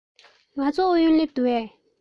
ངལ རྩོལ ཨུ ཡོན སླེབས འདུག གས